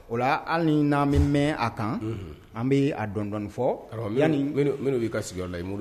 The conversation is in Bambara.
O la hali nan bi mɛn a kan , an bi a dɔɔni dɔɔni fɔ yani munun bi ka sigiyɔrɔ la yen